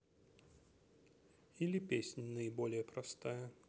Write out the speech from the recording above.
или песнь наиболее простая